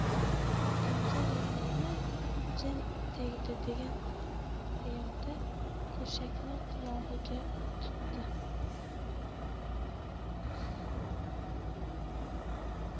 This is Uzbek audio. bunga yana nima jin tegdi degan xayolda go'shakni qulog'iga tutdi